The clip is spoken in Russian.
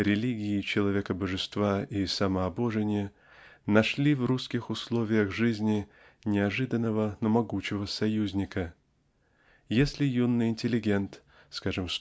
религии человекобожества и самообожения нашли в русских условиях жизни неожиданного но могучего союзника. Если юный интеллигент -- скажем